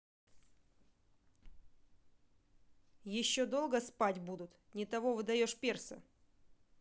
еще долго спать будут не того выдаешь перса